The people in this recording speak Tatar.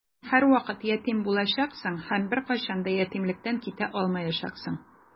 Син һәрвакыт ятим булачаксың һәм беркайчан да ятимлектән китә алмаячаксың.